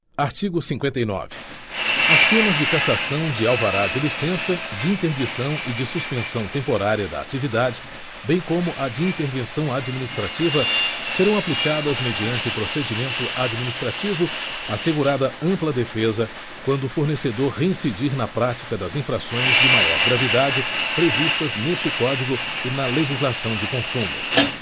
artigo cinquenta e nove as penas de cassação de alvará de licença de interdição e de suspensão temporária da atividade bem como a de intervenção administrativa serão aplicadas mediante procedimento administrativo assegurada ampla defesa quando o fornecedor reincidir na prática das infrações de maior gravidade previstas neste código e na legislação de consumo